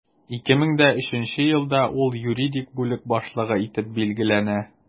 2003 елда ул юридик бүлек башлыгы итеп билгеләнә.